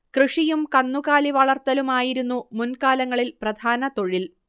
കൃഷിയും കന്നുകാലിവളർത്തലും ആയിരുന്നു മുൻകാലങ്ങളിൽ പ്രധാന തൊഴിൽ